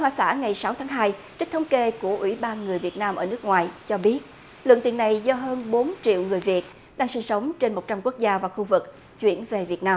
hoa xã ngày sáu tháng hai trích thống kê của ủy ban người việt nam ở nước ngoài cho biết lượng tiền này do hơn bốn triệu người việt đang sinh sống trên một trăm quốc gia và khu vực chuyển về việt nam